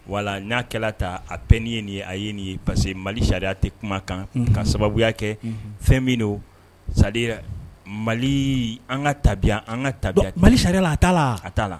Wala n'a kɛra ta a bɛɛ' ye nin ye a ye nin ye parce que mali sariya tɛ kuma kan ka sababuya kɛ fɛn min don sa mali an ka tabiya an ka tabiya mali sariyala a t ta la ka t' la